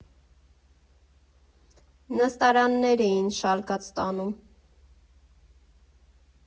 Նստարաններ էին շալկած տանում։